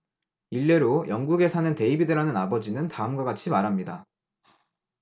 일례로 영국에 사는 데이비드라는 아버지는 다음과 같이 말합니다